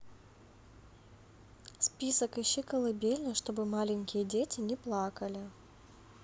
список ищи колыбельную чтобы маленькие не плакали